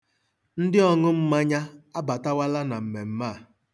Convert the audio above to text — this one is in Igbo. Ndị ọnụmmanya abatawala na mmemme a.